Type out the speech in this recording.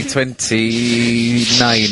...twenty nine,